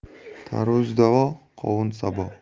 tarvuz davo qovun sabo